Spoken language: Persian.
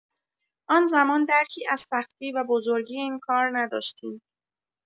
آن‌زمان درکی از سختی و بزرگی این کار نداشتیم.